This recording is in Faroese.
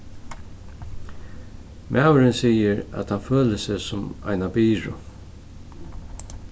maðurin sigur at hann følir seg sum eina byrðu